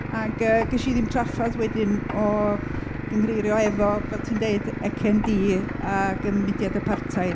ac yy ges i ddim trafferth wedyn o gynghreirio efo fel ti'n deud CND ac y mudiad apartheid.